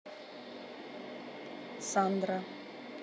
сандра